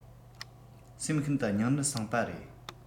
སེམས ཤིན དུ སྙིང ནད སངས པ རེད